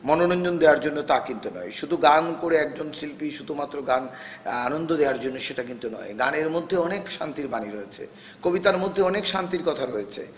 মনোরঞ্জন দেয়ার জন্য তা কিন্তু নয় শুধু গান করে একজন শিল্পী শুধুমাত্র গান আনন্দ দেয়ার জন্য তা কিন্তু নয় গানের মধ্যে অনেক শান্তির বাণী রয়েছে কবিতার মধ্যে অনেক শান্তির কথা রয়েছে